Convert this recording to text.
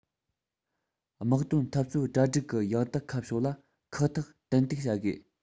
དམག དོན འཐབ རྩོད གྲ སྒྲིག གི ཡང དག ཁ ཕྱོགས ལ ཁག ཐེག ཏན ཏིག བྱ དགོས